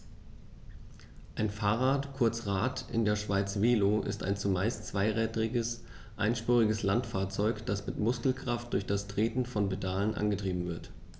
Ein Fahrrad, kurz Rad, in der Schweiz Velo, ist ein zumeist zweirädriges einspuriges Landfahrzeug, das mit Muskelkraft durch das Treten von Pedalen angetrieben wird.